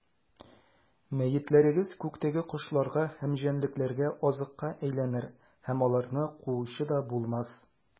Мәетләрегез күктәге кошларга һәм җәнлекләргә азыкка әйләнер, һәм аларны куучы да булмас.